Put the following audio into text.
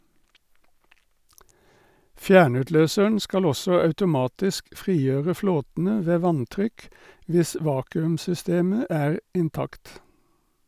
Fjernutløseren skal også automatisk frigjøre flåtene ved vanntrykk hvis vakuum-systemet er intakt.